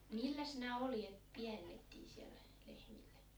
milläs nämä oljet pienennettiin siellä lehmille